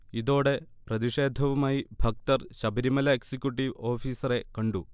ഇതോടെ പ്രതിഷേധവുമായി ഭക്തർ ശബരിമല എക്സിക്യൂട്ടീവ് ഓഫീസറെ കണ്ടു.